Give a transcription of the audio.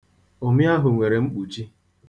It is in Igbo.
Ụmị ahụ nwere mkpuchi.